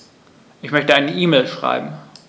Ich möchte eine E-Mail schreiben.